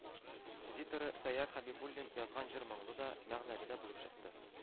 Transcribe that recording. Зиторы сәйяр хәбибуллин язган җыр моңлы да, мәгънәле дә булып чыкты